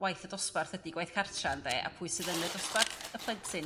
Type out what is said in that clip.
waith y dosbarth ydi gwaith cartra ynde? A pwy sydd yn y dosbarth? Y plentyn